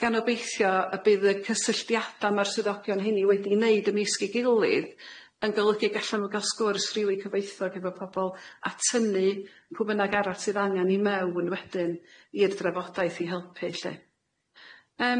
gan obeithio y bydd y cysylltiada ma'r swyddogion hynny wedi' neud ymysg ei gilydd yn golygu gallan nhw ga'l sgwrs rili cyfoethog efo pobol a tynnu pw' bynnag arall sydd angan i mewn wedyn i'r drafodaeth i helpu lly.